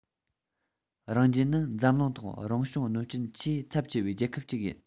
རང རྒྱལ ནི འཛམ གླིང ཐོག རང བྱུང གནོད སྐྱོན ཆེས ཚབས ཆེ བའི རྒྱལ ཁབ ཅིག ཡིན